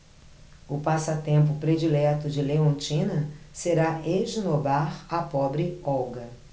o passatempo predileto de leontina será esnobar a pobre olga